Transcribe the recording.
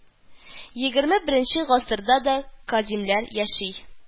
Егерме беренче гасырда да кадимиләр яши